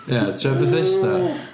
Ia tria Bethesda.